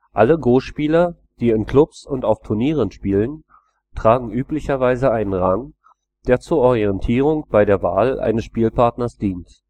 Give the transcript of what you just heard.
Alle Go-Spieler, die in Klubs und auf Turnieren spielen, tragen üblicherweise einen Rang, der zur Orientierung bei der Wahl eines Spielpartners dient